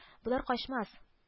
Болар качмас